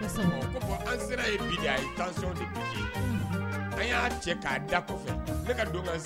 An an'a cɛ k kɔfɛ